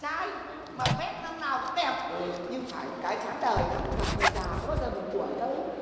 trai mặc vét năm nào cũng đẹp nhưng phải một cái chán đời lắm gặp người già có bao giờ mừng tuổi đâu